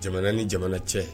Jamana ni jamana cɛ